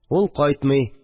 Ул кайтмый